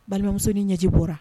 Balimamusosonin ɲɛji bɔra